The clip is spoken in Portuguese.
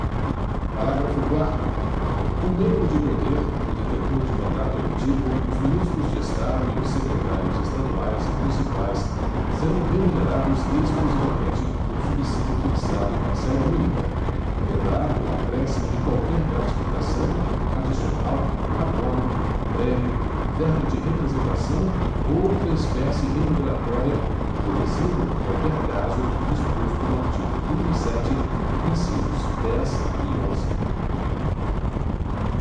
parágrafo quarto o membro de poder o detentor de mandato eletivo os ministros de estado e os secretários estaduais e municipais serão remunerados exclusivamente por subsídio fixado em parcela única vedado o acréscimo de qualquer gratificação adicional abono prêmio verba de representação ou outra espécie remuneratória obedecido em qualquer caso o disposto no artigo trinta e sete incisos dez e onze